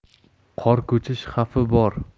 qor ko'chishi xavfi bor